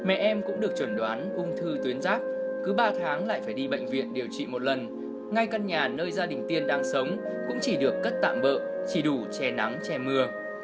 mẹ em cũng được chẩn đoán ung thư tuyến giáp cứ ba tháng lại phải đi bệnh viện điều trị một lần ngay căn nhà nơi gia đình tiên đáng sống cũng chỉ được cất tạm bợ chỉ đủ che nắng che mưa